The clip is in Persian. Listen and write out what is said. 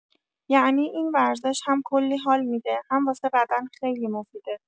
یعنی این ورزش هم کلی حال می‌ده، هم واسه بدن خیلی مفیده.